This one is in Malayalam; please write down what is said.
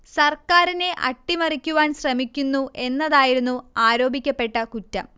സർക്കാരിനെ അട്ടിമറിക്കുവാൻ ശ്രമിക്കുന്നു എന്നതായിരുന്നു ആരോപിക്കപ്പെട്ട കുറ്റം